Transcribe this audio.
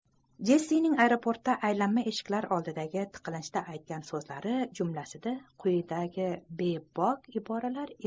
jessining aeroportda aylanma eshiklar oldidagi tiqilinchda aytgan so'zlari jumlasida quyidagi jiddiy ibora